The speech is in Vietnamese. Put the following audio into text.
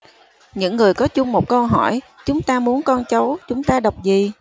những người có chung một câu hỏi chúng ta muốn con cháu chúng ta đọc gì